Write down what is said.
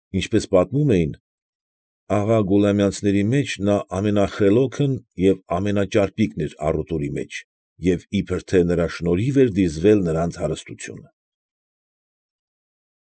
Ինչպես պատմում էին, աղա Գուլամյանցների մեջ նա ամենախելոքն և ամենաճարպիկն էր առուտուրի մեջ և իբր թե նրա շնորհիվ էր դիզվել նրանց հարստությունը։